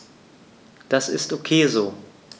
Das ist ok so.